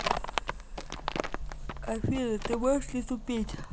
афина ты можешь не тупить